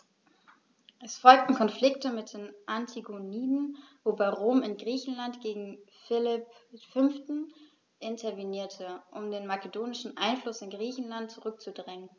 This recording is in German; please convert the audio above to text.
Es folgten Konflikte mit den Antigoniden, wobei Rom in Griechenland gegen Philipp V. intervenierte, um den makedonischen Einfluss in Griechenland zurückzudrängen.